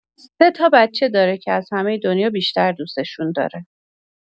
سه‌تا بچه داره که از همه دنیا بیشتر دوستشون داره.